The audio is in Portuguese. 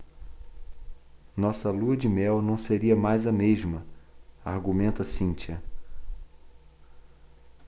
nossa lua-de-mel não seria mais a mesma argumenta cíntia